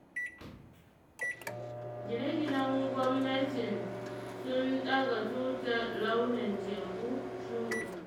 Gine-ginen gwamnati sun daga tutar launin teku shudi.